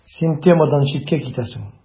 Гарри: Син темадан читкә китәсең.